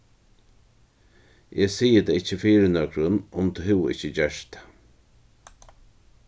eg sigi tað ikki fyri nøkrum um tú ikki gert tað